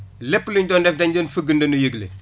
lépp luñ doon def dañu doon fëgg ndënd yëgle